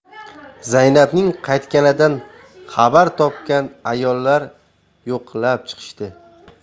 zaynabning qaytganidan xabar topgan ayollar yo'qlab chiqishdi